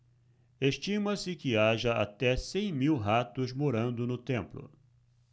estima-se que haja até cem mil ratos morando no templo